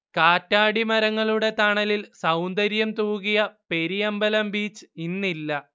കറ്റാടിമരങ്ങളുടെ തണലിൽ സൗന്ദര്യം തൂകിയ പെരിയമ്പലം ബീച്ച് ഇന്നില്ല